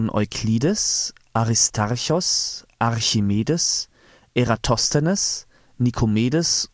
Euklides, Aristarchos, Archimedes, Eratosthenes, Nikomedes